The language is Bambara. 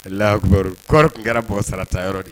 allahu akba kɔɔri tun kɛra bɔrɔ sarata yɔrɔ de ye.